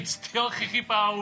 diolch i chi bawb.